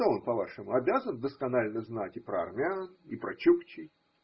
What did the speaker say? Что, – он, по-вашему, обязан досконально знать и про армян, и про чукчей?